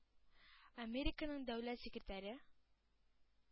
Американың дәүләт секретаре